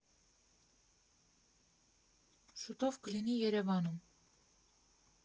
Շուտով կլինի Երևանում։